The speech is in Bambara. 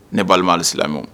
Ne balima alisilamɛ